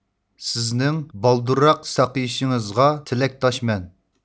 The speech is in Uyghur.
سىزنىڭ بالدۇرراق ساقىيىشىڭىزغا تىلەكداشمەن